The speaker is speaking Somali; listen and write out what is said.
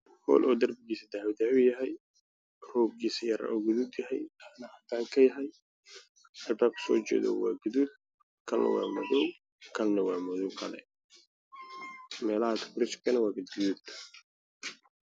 Hool dirbigis dahabi ah roogis gaduud yahay dhaxdan cadan ka ah albabada waa gaduud io madow melah kale waa gadud